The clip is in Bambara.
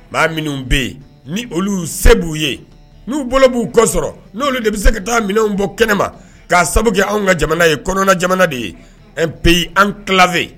Maa minnu bɛ yen ni olu se b'u ye, n'u bolo b'u kɔ sɔrɔ, n'olu de bɛ se ka taa minɛnw bɔ kɛnɛma k'a sababu kɛ anw ka jamana ye kɔnɔna jamana de ye un pays enclavé